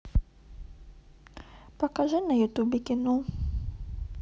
покажи на ютубе кино